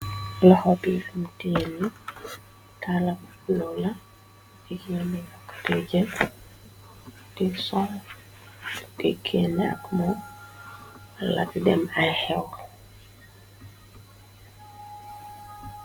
loxo begm teerni talaklola 1j te sox tekkene ak molak dem ay xew